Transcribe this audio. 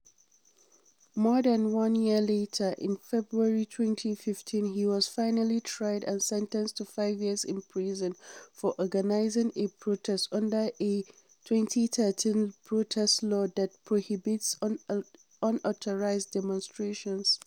More than one year later, in February 2015, he was finally tried and sentenced to five years in prison for "organising" a protest under a 2013 protest law that prohibits unauthorised demonstrations.